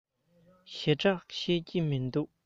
ཞེ དྲགས ཤེས ཀྱི མི འདུག